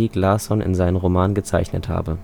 Larsson in seinen Romanen gezeichnet habe